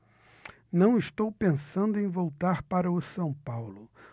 não estou pensando em voltar para o são paulo